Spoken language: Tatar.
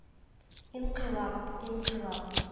“инкыйлаб… инкыйлаб…”—